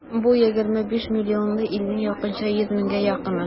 Бу егерме биш миллионлы илнең якынча йөз меңгә якыны.